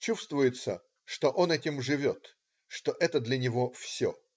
Чувствуется, что он этим живет, что это для него "всё".